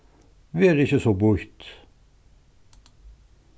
ver ikki so býtt